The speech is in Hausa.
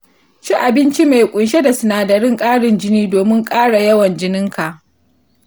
ci abinci mai kunshe da sinadarin karin jini domin ƙara yawan jininka.